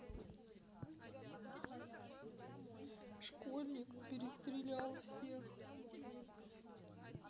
школьник перестрелял всех